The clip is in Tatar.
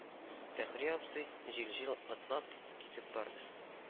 Фәхри абзый җил-җил атлап китеп барды.